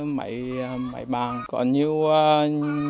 máy bàn có nhiều